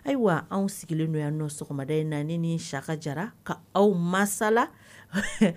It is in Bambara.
Ayiwa anw sigilen' yan nɔ sɔgɔmada in na ni saka jara ka aw masasala